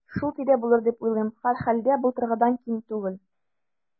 Шул тирә булыр дип уйлыйм, һәрхәлдә, былтыргыдан ким түгел.